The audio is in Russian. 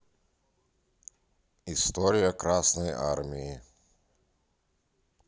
история красной армии